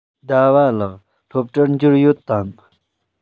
ཟླ བ ལགས སློབ གྲྭར འབྱོར ཡོད དམ